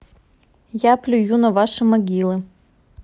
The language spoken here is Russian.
я плюю на ваши могилы